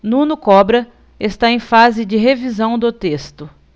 nuno cobra está em fase de revisão do texto